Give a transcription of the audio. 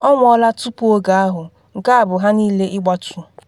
Ọ nwụọla tupu oge ahụ, nke a bụ ha niile ịgbatu.